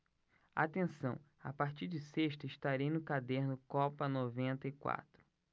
atenção a partir de sexta estarei no caderno copa noventa e quatro